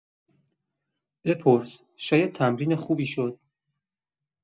بپرس، شاید تمرین خوبی شد.